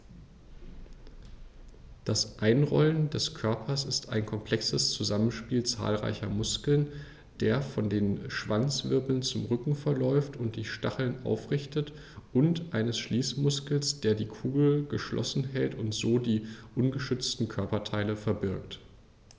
Das Einrollen des Körpers ist ein komplexes Zusammenspiel zahlreicher Muskeln, der von den Schwanzwirbeln zum Rücken verläuft und die Stacheln aufrichtet, und eines Schließmuskels, der die Kugel geschlossen hält und so die ungeschützten Körperteile verbirgt.